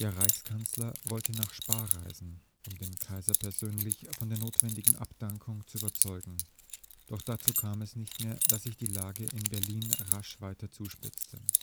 Reichskanzler wollte nach Spa reisen, um den Kaiser persönlich von der notwendigen Abdankung zu überzeugen. Doch dazu kam es nicht mehr, da sich die Lage in Berlin rasch weiter zuspitzte